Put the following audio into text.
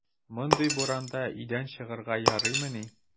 Мондый буранда өйдән чыгарга ярыймыни!